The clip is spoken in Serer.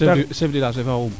chef du village fee fa xoxum